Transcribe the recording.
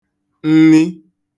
nni